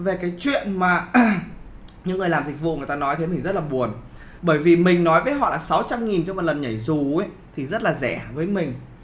về cái chuyện mà những người làm dịch vụ người ta nói thế mình rất là buồn bởi vì mình nói với họ là sáu trăm nghìn cho một lần nhảy dù ấy thì rất là rẻ với mình